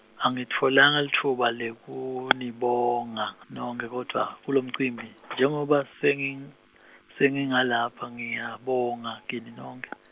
Angilitfolanga litfuba lekunibonga, nonkhe kodwva, kulomcimbi, njengoba senging- sengila lapha ngiyabonga, kini nonkhe.